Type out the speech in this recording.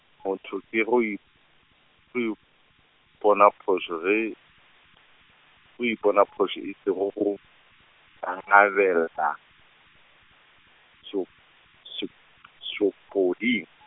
motho ke go i-, ke go ipona phošo ge, ke go ipona phošo e sego go, ngangabela šop-, šup- , šopoding.